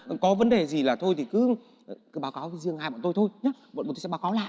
có vấn đề gì là thôi thì cứ cứ báo cáo với riêng với hai bọn tôi thôi nhá bọn tôi sẽ báo cáo lại